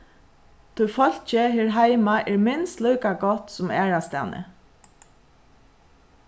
tí fólkið her heima er minst líka gott sum aðrastaðni